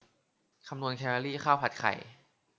คำนวณแคลอรี่ข้าวผัดไข่